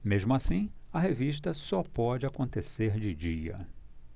mesmo assim a revista só pode acontecer de dia